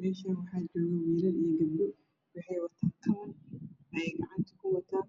Meshan waxa joogo wll io gabdho waxay watan kabin eey gacanta kuwatan